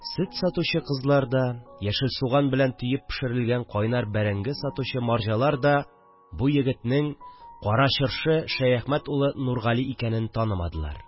Сөт сатучы кызлар да, яшел суган белән төеп пешерелгән кайнар бәрәңге сатучы марҗалар да бу егетнең Кара Чыршы Шәяхмәт улы Нургали икәнен танымадылар